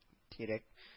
Тирәк